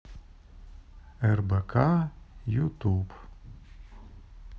рбк ютуб